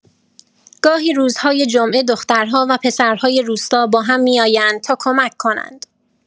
گاهی روزهای جمعه دخترها و پسرهای روستا با هم می‌آیند تا کمک کنند.